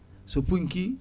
so funkki